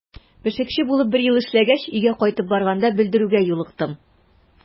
Пешекче булып бер ел эшләгәч, өйгә кайтып барганда белдерүгә юлыктым.